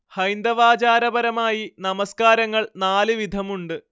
ഹൈന്ദവാചാരപരമായി നമസ്കാരങ്ങൾ നാല് വിധമുണ്ട്